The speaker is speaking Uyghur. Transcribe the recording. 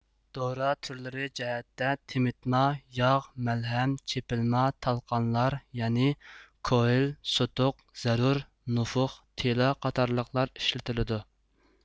دورا تۈرلىرى جەھەتتە تېمىتما ياغ مەلھەم چېپىلما تالقانلار يەنى كوھل سوتۇق زەرۈر نوفۇخ تىلا قاتارلىقلارنى ئىشلىتىدۇ